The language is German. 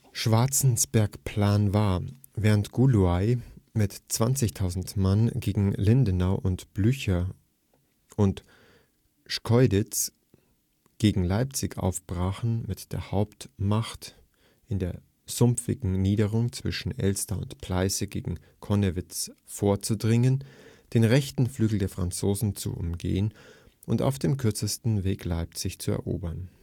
Schwarzenbergs Plan war, während Gyulai mit 20.000 Mann gegen Lindenau und Blücher von Schkeuditz gegen Leipzig aufbrachen, mit der Hauptmacht in der sumpfigen Niederung zwischen Elster und Pleiße gegen Connewitz vorzudringen, den rechten Flügel der Franzosen zu umgehen und auf dem kürzesten Weg Leipzig zu erobern